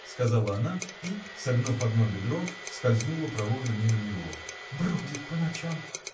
— сказала она и, согнув одно бедро, скользнула проворно мимо его, — бродит по ночам!